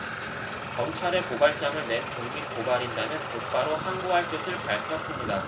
검찰에 고발장을 낸 국민고발인단은 곧바로 항고할 뜻을 밝혔습니다